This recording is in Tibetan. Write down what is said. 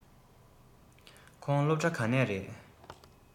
ཁོང སློབ གྲྭ ག ནས རེས